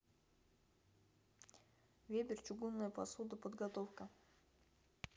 вебер чугунная посуда подготовка